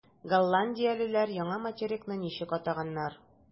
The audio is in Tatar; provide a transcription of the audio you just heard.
Голландиялеләр яңа материкны ничек атаганнар?